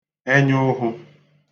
ẹnya ụhụ̄